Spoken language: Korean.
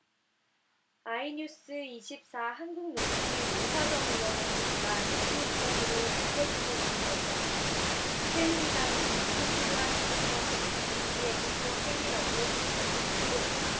아이뉴스 이십 사 한국노총의 노사정위원회 복귀가 내부 이견으로 늦춰지고 있는 것에 대해 새누리당이 이기주의와 기득권 지키기 비애국적 행위라고 강력히 경고했다